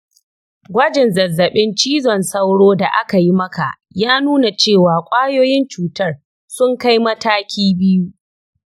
gwajin zazzabin cizon sauro da aka yi maka ya nuna cewa ƙwayoyin cutar sun kai matakin biyu.